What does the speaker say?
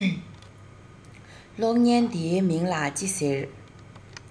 གློག བརྙན འདིའི མིང ལ ཅི ཟེར